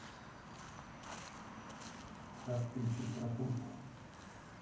как включить ракушка